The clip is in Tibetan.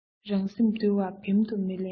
རང སེམས འདུལ བ འབེམ དུ མི ལེན པའི